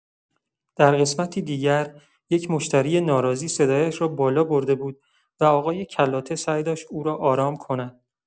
در قسمتی دیگر یک مشتری ناراضی صدایش را بالا برده بود و آقای کلاته سعی داشت او را آرام کند.